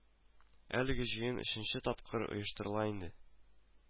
Әлеге җыен өченче тапкыр оештырыла инде